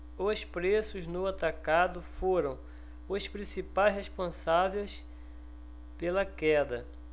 os preços no atacado foram os principais responsáveis pela queda